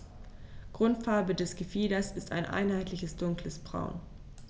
Grundfarbe des Gefieders ist ein einheitliches dunkles Braun.